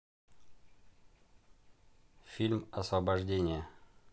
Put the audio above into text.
фильм освобождение